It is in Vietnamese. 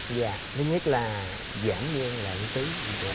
dạ thứ nhất là giảm ghen lại tí dạ